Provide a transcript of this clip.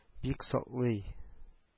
Бик саклый